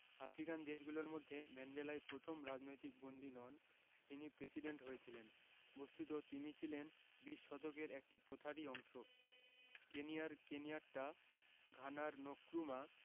African দেশগুলোর মধ্যে ম্যান্ডেলাই প্রথম রাজনৈতিক বন্দী নন যিনি প্রেসিডেন্ট হয়েছিলেন বস্তুত তিনি ছিলেন বিশ শতকের একটি প্রথারই অংশ কেনিয়ার কেনিয়াট্টা ঘানার নক্রুমা